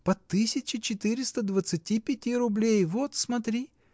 По тысяче четыреста двадцати пяти рублей — вот смотри.